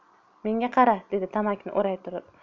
menga qara dedi tamaki o'ray turib